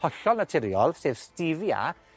hollol naturiol, sef Stevia,